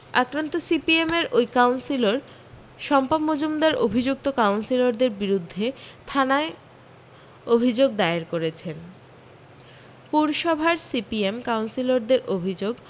আক্রান্ত সিপিএমের ওই কাউন্সিলর শম্পা মজুমদার অভি্যুক্ত কাউন্সিলরদের বিরুদ্ধে থানায় অভি্যোগ দায়ের করেছেন পুরসভার সিপিএম কাউন্সিলরদের অভি্যোগ